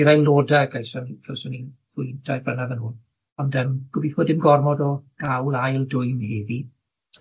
i'r aelodau, gaison gawson ni ddwy dair blynedd yn ôl, ond yym gobeithio dim gormod o gawl ail dwym heddi.